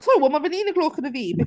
Ww wel mae'n un o'r gloch gyda fi!